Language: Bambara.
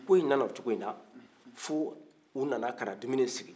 ko in nana o cogo in na fo u nana ka na dumuni sigi